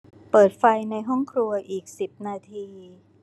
เปิดไฟในห้องครัวอีกสิบนาที